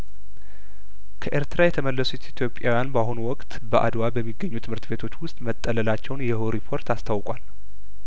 ከኤርትራ የተመለሱት ኢትዮጵያውያን በአሁኑ ወቅት በአድዋ በሚገኙ ትምህርት ቤቶች ውስጥ መጠለላቸውን ይኸው ሪፖርት አስታውቋል